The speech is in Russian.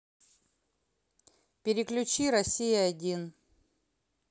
переключи россия один